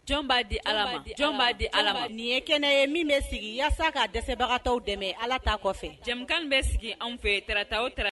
Jɔn b'a di allah ma , jɔn b'a di allah nin ye kɛnɛ ye min bɛ sigi yaasa ka dɛsɛbagatɔw dɛmɛ allah ta kɔfɛ jɛmukan min bɛ sigi anw fɛ Taga o Taara.